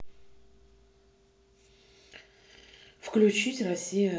включить россия один